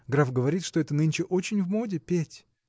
Граф говорит, что это нынче очень в моде – петь.